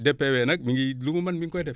DPV nag mu ngi lu mu mën mi ngi koy def